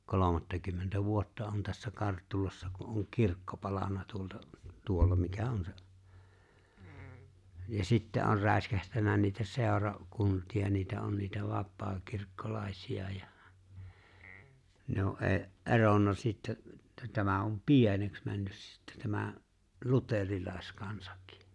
kolmattakymmentä vuotta on tässä Karttulassa kun on kirkko palanut tuolta tuolla mikä on se ja sitten on räiskähtänyt niitä - seurakuntia niitä on niitä vapaakirkkolaisia ja ne on - eronnut sitten että tämä on pieneksi mennyt sitten tämä luterilaiskansakin